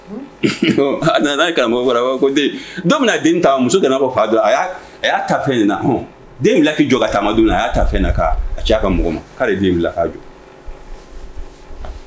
. A nana karamɔgɔ kɔrɔ, a b'a fɔ ko den. Jɔn bɛna den ta? Muso nana i n'a fɔ fa donna a la. A y'a ta fɛn in na. Un! Den wilila k'i jɔ ka taama don min na, a y'a ta fɛn na, a ka a ci a ka mɔgɔw ma. K'ale de ye den in bila ka jɔ.